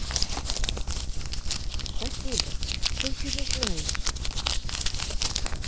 спасибо ты еще не знаешь